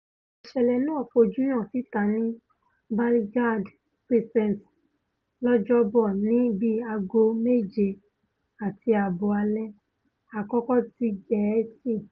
Ìṣẹ̀lẹ̀ náà fojú hàn síta ní Ballynagard Crescent lọ́jọ́ 'Bọ̀ ní bíi aago méje àti ààbọ̀ alẹ́ Àkókò ti Gẹ̀ẹ́sì.